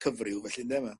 cyfryw felly ynde ma'